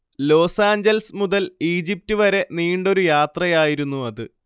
Los Angeles മുതൽ Egypt വരെ നീണ്ടയൊരു യാത്രയായിരുന്നു അത്